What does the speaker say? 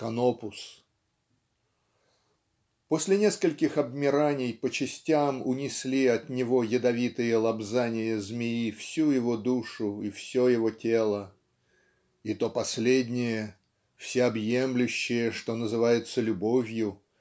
Канопус?" После нескольких обмираний по частям унесли от него ядовитые лобзания змеи всю его душу и все его тело "и то последнее всеобъемлющее что называется любовью